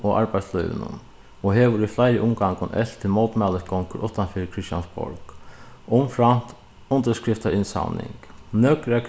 og arbeiðslívinum og hevur í fleiri umgangum elvt til mótmælisgongur uttan fyri christiansborg umframt undirskriftainnsavning nøkur av